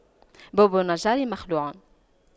باب النجار مخَلَّع